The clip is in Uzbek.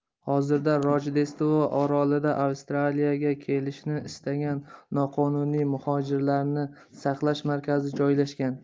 hozirda rojdestvo orolida avstraliyaga kelishni istagan noqonuniy muhojirlarni saqlash markazi joylashgan